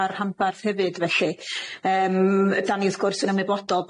a'r rhanbarth hefyd felly yym 'dan ni wrth gwrs yn ymwybodol